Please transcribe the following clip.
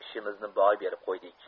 biz ishimizni boy berib qo'ydik